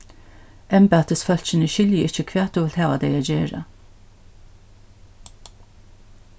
embætisfólkini skilja ikki hvat tú vilt hava tey at gera